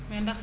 mais ndax